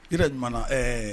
Yɛrɛ deumana ɛɛ